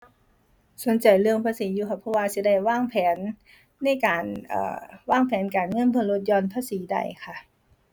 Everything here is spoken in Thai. สนใจเรื่องภาษีอยู่ค่ะ เพราะว่าสิได้วางแผน ในการ เอ่อ วางแผนการเงิน เพื่อลดหย่อนภาษีได้ค่ะ